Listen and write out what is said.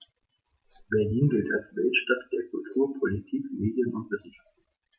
Berlin gilt als Weltstadt der Kultur, Politik, Medien und Wissenschaften.